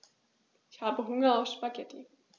Ich habe Hunger auf Spaghetti.